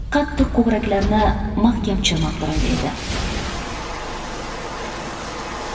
qattiq ko'kraklarini mahkam chirmab turar edi